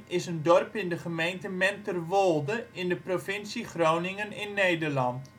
is een dorp in de gemeente Menterwolde in de provincie Groningen in Nederland